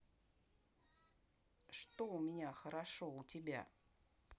что у меня хорошо у тебя